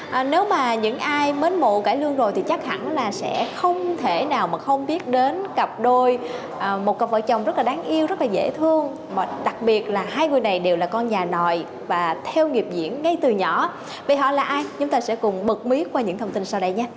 ờ nếu mà những ai mến mộ cải lương rồi thì chắc hẳn là sẽ không thể nào mà không biết đến cặp đôi à một cặp vợ chồng rất là đáng yêu rất là dễ thương mà đặc biệt là hai người này đều là con nhà nòi và theo nghiệp diễn ngay từ nhỏ vậy họ là ai chúng ta sẽ cùng bật mí qua những thông tin sau đây nhé